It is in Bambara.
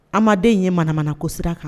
An ma den in ye manamanako sira kan